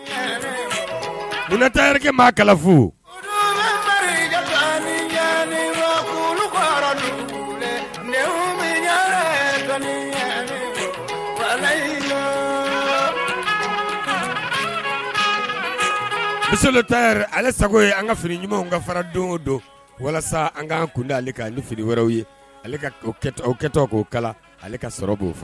Fo selen ale sago an ka fini ɲumanw ka fara don o don walasa an k kaan kunda ale ka ni fili wɛrɛw ye ale kɛ k'o kala ale ka sɔrɔ k'o faga